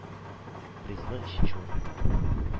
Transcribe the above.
– призлы өченче урында!